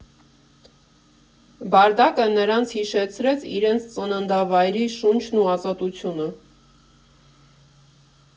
«Բարդակը» նրանց հիշեցրեց իրենց ծննդավայրի շունչն ու ազատությունը։